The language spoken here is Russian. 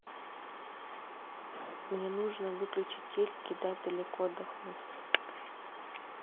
мне нужно выключить телек и дать далеко отдохнуть